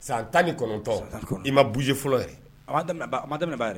San tan ni kɔnɔntɔn i ma bojɛ fɔlɔ a a ma daminɛ b'a ye